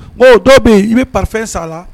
O dɔ bɛ i bɛ pafe sa la